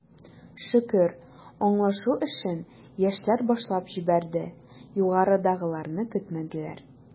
Шөкер, аңлашу эшен, яшьләр башлап җибәрде, югарыдагыларны көтмәделәр.